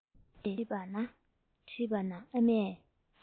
ཅེས དྲིས པ ན ཨ མས